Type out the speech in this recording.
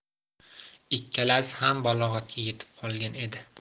ikkalasi ham balog'atga yetib qolgan edi